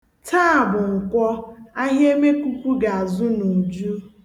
Taa bụ Nkwọ, ahịa Emekuuwku ga-azụ n'uju.